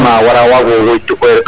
vraiment wara waaga woñtu koy ,